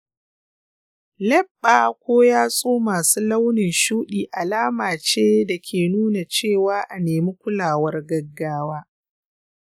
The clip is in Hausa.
leɓɓa ko yatsu masu launin shuɗi alama ce da ke nuna cewa a nemi kulawar gaggawa.